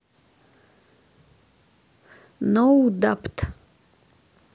ноу дабт